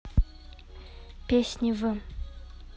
песни в